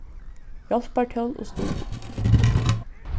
hjálpartól og stuðul